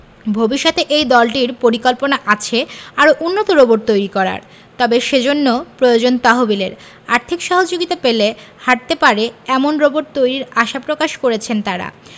ভবিষ্যতে এই দলটির পরিকল্পনা আছে আরও উন্নত রোবট তৈরি করার তবে সেজন্য প্রয়োজন তহবিলের আর্থিক সহযোগিতা পেলে হাটতে পারে এমন রোবট তৈরির আশা প্রকাশ করেছেন তারা